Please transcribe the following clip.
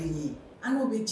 Bɛ ci